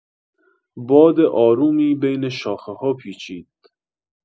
باد آرومی بین شاخه‌ها پیچید.